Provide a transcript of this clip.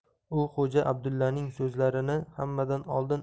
u xo'ja abdullaning so'zlarini hammadan oldin